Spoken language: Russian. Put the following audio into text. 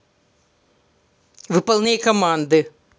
выполняй команды